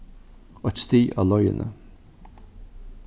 eitt stig á leiðini